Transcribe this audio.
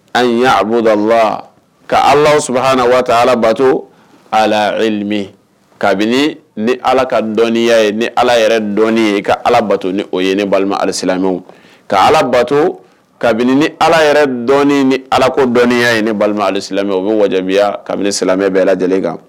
Ayi a b'oda la ka ala suana waati ala bato alami kabini ni ala ka dɔnniya ye ni ala yɛrɛ dɔn ye ka ala bato ni o ye ne balima ali silamɛ ka ala bato kabini ni ala yɛrɛ dɔn ni ala ko dɔnniya ye ne balima alilamɛ o bɛ waya kabini silamɛ bɛ lajɛlen kan